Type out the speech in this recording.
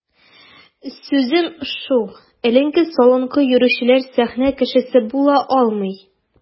Сүзем шул: эленке-салынкы йөрүчеләр сәхнә кешесе була алмый.